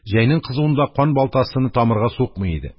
Җәйнең кызуында кан балтасыны тамырга сукмый иде.